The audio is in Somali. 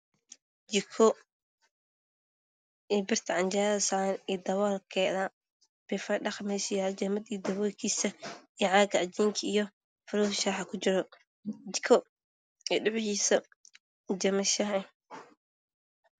Jiko iyo birthday canjeerada saaran iyo daboolkeeda caaga akin iyo falaasta shaahu kujiro